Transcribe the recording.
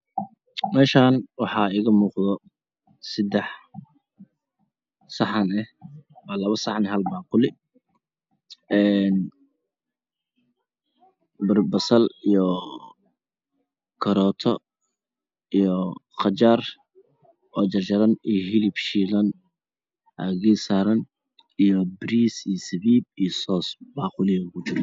Halkan waa yalo mis kalar kisi waa cadan waxaa saran labo saxan kalar kode waa cadan waxaa kujiro bariis iyo hiliib